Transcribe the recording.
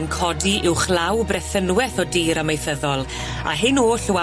yn codi uwchlaw brethynweth o dir amaethyddol a hyn oll o